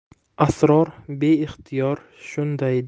asror beixtiyor shunday